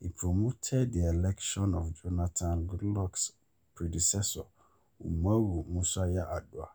he promoted the election of Jonathan Goodluck's predecessor, Umaru Musa Yar’Adua.